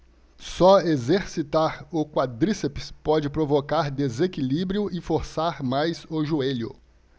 só exercitar o quadríceps pode provocar desequilíbrio e forçar mais o joelho